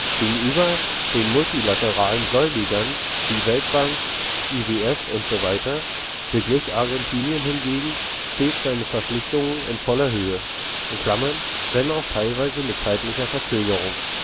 Gegenüber den multilateralen Gläubigern wie Weltbank, IWF, usw. beglich Argentinien hingegen stets seine Verpflichtungen in voller Höhe (wenn auch teilweise mit zeitlicher Verzögerung